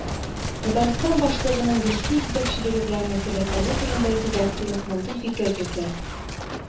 Татарстан башлыгының Русия җитәкчелеге белән мөнәсәбәтләре турында исә Зартдинов мондый фикер йөртә